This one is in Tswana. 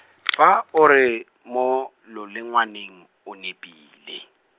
fa o re, mo, lolengwaneng, o nepile.